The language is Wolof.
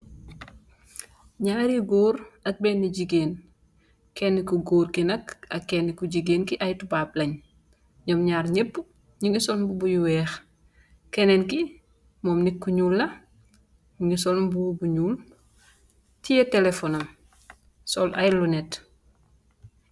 Nyarfi goor ak benuh jigeen kenah ku goor gi nak ak kenah ku jigeen ki aye tubab len nyum nyarr yep nyungi sul mbobu yu weex kenen ki mom nit ku nyul la mungi sul mbobu bu nyul teyeh mobile sul aye lunet.